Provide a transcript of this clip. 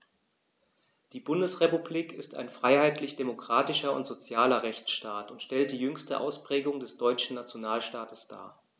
Die Bundesrepublik ist ein freiheitlich-demokratischer und sozialer Rechtsstaat und stellt die jüngste Ausprägung des deutschen Nationalstaates dar.